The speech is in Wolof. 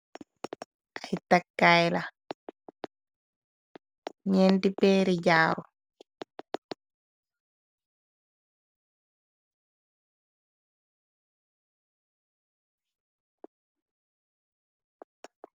Lii takaay la, ñeenti peeru jaaru.